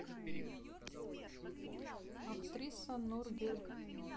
актриса нургюль